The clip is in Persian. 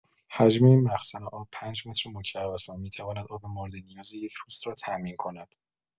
حجم این مخزن آب پنج مترمکعب است و می‌تواند آب مورد نیاز یک روز را تأمین کند.